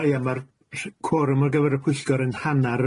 A ia ma'r rh- cworwm ar gyfer y pwyllgor yn hannar